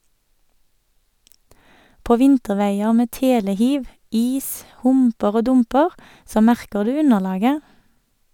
På vinterveier med telehiv , is, humper og dumper så merker du underlaget.